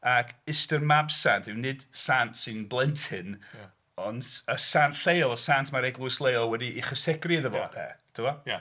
Ag ystyr mabsant yw, nid sant sy'n blentyn, ond sant lleol sant mae'r Eglwys leol wedi'i chysegru iddo fo 'de t'bo... Ia.